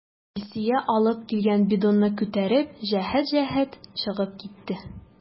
Илсөя алып килгән бидонны күтәреп, җәһәт-җәһәт чыгып китте.